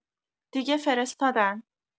دیگه فرستادن